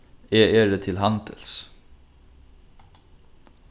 eg eri til handils